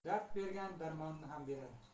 dard bergan darmonini ham berar